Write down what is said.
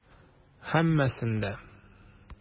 Һәммәсен дә.